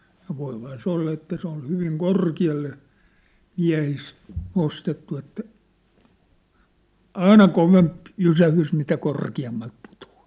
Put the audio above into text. ja voihan se olla että se on hyvin korkealle miehissä nostettu että aina kovempi jysähdys mitä korkeammalta putoaa